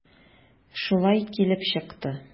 Шулай килеп чыкты.